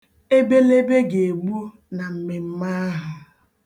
Ebelebe ga-egbu na mmemme ahụ.